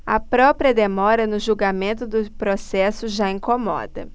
a própria demora no julgamento do processo já incomoda